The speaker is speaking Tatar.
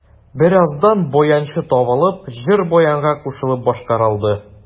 Бераздан баянчы табылып, җыр баянга кушылып башкарылды.